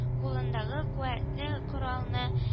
Кулындагы куәтле коралны